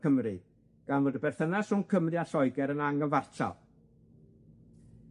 Cymry, gan fod y berthynas rhwng Cymru a Lloeger yn angyfartal.